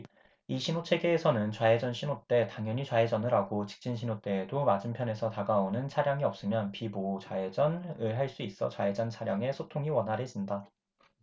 이 신호체계에서는 좌회전 신호 때 당연히 좌회전을 하고 직진 신호 때에도 맞은편에서 다가오는 차량이 없으면 비보호 좌회전을 할 수 있어 좌회전 차량의 소통이 원활해진다